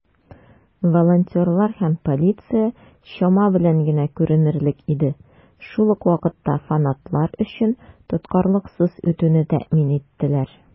Волонтерлар һәм полиция чама белән генә күренерлек иде, шул ук вакытта фанатлар өчен тоткарлыксыз үтүне тәэмин иттеләр.